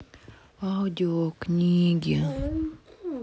аудио книги